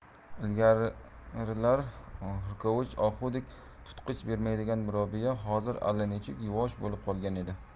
ilgarilar hurkovich ohudek tutqich bermaydigan robiya hozir allanechuk yuvosh bo'lib qolgan edi